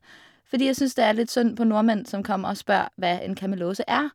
Fordi jeg syns det er litt synd på nordmenn som kommer og spør hva en Kamelose er.